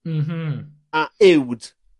M-hm. A uwd.